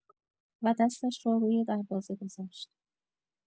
و دستش را روی دروازه گذاشت.